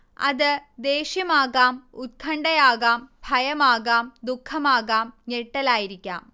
അത് ദേഷ്യമാകാം ഉത്കണ്ഠയാകാം ഭയമാകാം ദുഃഖമാകാം ഞെട്ടലായിരിക്കാം